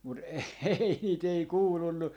mutta ehei niitä ei kuulunut